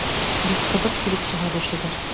Бик кызык килеп чыга бу шигырь.